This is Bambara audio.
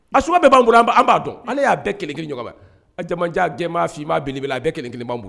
A su b'an bolo an b'a dɔn ale y'a bɛɛ kelenkelenɲɔgɔnba aja jɛmaa f'i ma beleb a bɛɛ kelen kelenbaan bolo